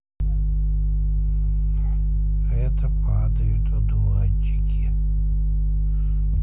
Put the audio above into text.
это падают одуванчики